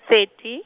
thirty.